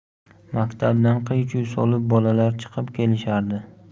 maktabdan qiy chuv solib bolalar chiqib kelishardi